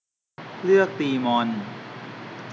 เลือกตีมอน